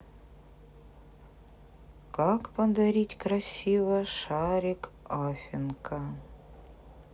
как подарить красиво шарик афинка